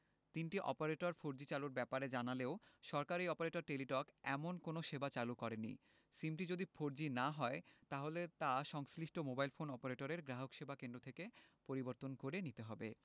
তিনটি operator four G চালুর ব্যাপারে জানালেও সরকারি অপারেটর টেলিটক এমন কোনো সেবা চালু করেনি সিমটি যদি ফোরজি না হয় তাহলে তা সংশ্লিষ্ট মোবাইল ফোন অপারেটরের গ্রাহকসেবা কেন্দ্র থেকে পরিবর্তন করে নিতে হবে